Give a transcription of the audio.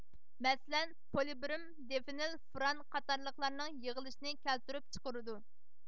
مەسىلەن پولىبروم دىفېنل فۇران قاتارلىقلارنىڭ يىغىلىشىنى كەلتۈرۈپ چىقىرىدۇ